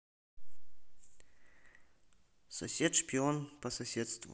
сосед шпион по соседству